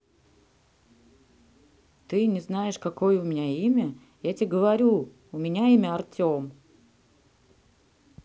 ты не знаешь какое у меня имя я тебе говорю у меня имя артем